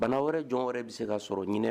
Bana wɛrɛ jɔn wɛrɛ bɛ se ka sɔrɔ ɲini